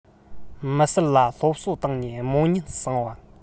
མི གསར ལ སློབ གསོ བཏང ནས རྨོངས གཉིད བསངས པ